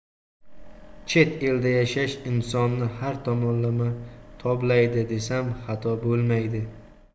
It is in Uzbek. chet elda yashash insonni har tomonlama toblaydi desam xato bo'lmaydi